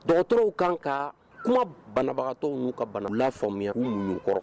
Dɔgɔtɔrɔw kan ka kuma banabagatɔ n'u ka balaya faamuyamuya' ninnu kɔrɔ